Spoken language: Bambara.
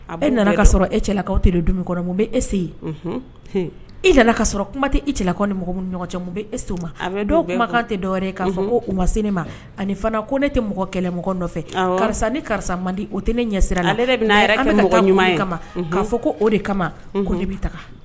A bɛɛ nana ka sɔrɔ e cɛlakaw tɛ don dumuni kɔnɔ bɛ ese yen i nana ka sɔrɔ kuma tɛ e cɛlakaw ni mɔgɔ ɲɔgɔn cɛ e ma dɔw kumakan kan tɛ dɔwɛrɛ ka fɔ u ma se ne ma ani fana ko ne tɛ mɔgɔ kɛlɛmɔgɔ nɔfɛ karisa ni karisa man di o tɛ ne ɲɛ kama'a fɔ ko o de kama ko bɛ